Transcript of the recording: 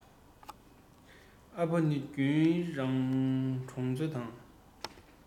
ཨ ཕ ནི རྒྱུན རང གྲོང ཚོ དང